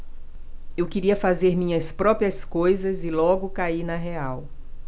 eu queria fazer minhas próprias coisas e logo caí na real